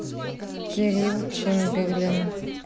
кирилл чимберлен